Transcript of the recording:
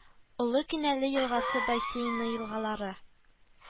Олы Кенәле елгасы бассейны елгалары